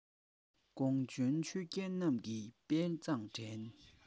གོང བྱོན ཆོས རྒྱལ རྣམས ཀྱིས དཔའ མཛངས དྲན